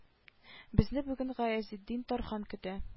Безне бүген гаязетдин тархан көтә